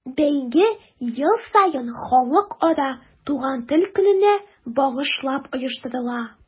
Бәйге ел саен Халыкара туган тел көненә багышлап оештырыла.